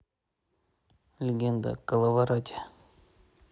легенда о коловрате